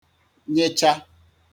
nyecha